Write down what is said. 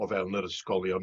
o fewn yr ysgolion...